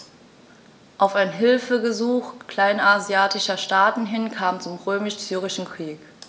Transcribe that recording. Auf ein Hilfegesuch kleinasiatischer Staaten hin kam es zum Römisch-Syrischen Krieg.